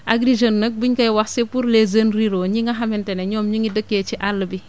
Agri Jeunes nag bu ñu koy wax c' est pour les jeunes ruraux ñi nga xamante ne ñoom ñu ngi dëkkee ci àll bi